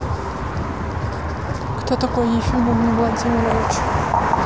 кто такой ефимовне владимирович